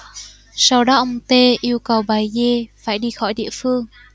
sau đó ông t yêu cầu bà g phải đi khỏi địa phương